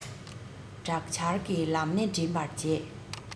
དྲག ཆར གྱི ལམ སྣེ འདྲེན པར བྱེད